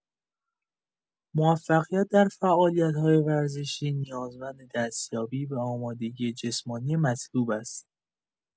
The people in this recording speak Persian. موفقیت در فعالیت‌های ورزشی نیازمند دستیابی به آمادگی جسمانی مطلوب است.